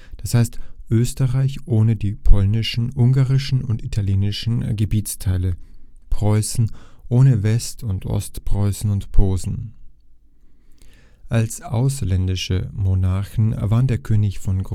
Das heißt Österreich ohne die polnischen, ungarischen und italienischen Gebietsteile, Preußen ohne West - und Ostpreußen und Posen. Als ausländische Monarchen waren der König von